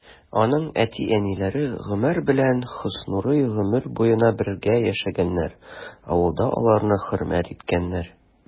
Аның әти-әниләре Гомәр белән Хөснурый гомер буена бергә яшәгәннәр, авылда аларны хөрмәт иткәннәр.